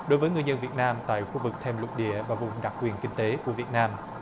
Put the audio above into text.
đối với ngư dân việt nam tại khu vực thềm lục địa và vùng đặc quyền kinh tế của việt nam